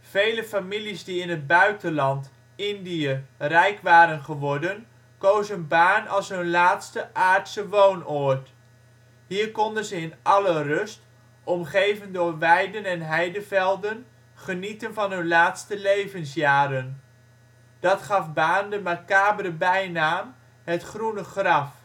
Vele families die in het buitenland (Indië) rijk waren geworden, kozen Baarn als hun laatste aardse woonoord. Hier konden ze in alle rust, omgeven door weiden en heidevelden, genieten van hun laatste levensjaren. Dat gaf Baarn de macabere bijnaam “het groene graf